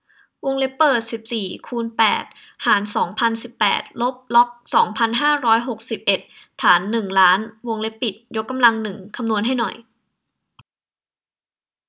วงเล็บเปิดสิบสี่คูณแปดหารสองพันสิบแปดลบล็อกสองพันห้าร้อยหกสิบเอ็ดฐานหนึ่งล้านวงเล็บปิดยกกำลังหนึ่งคำนวณให้หน่อย